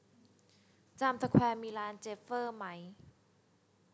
จามสแควร์มีร้านเจฟเฟอร์ไหม